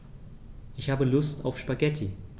Ich habe Lust auf Spaghetti.